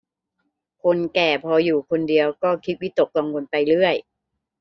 คนแก่พออยู่คนเดียวก็คิดวิตกกังวลไปเรื่อย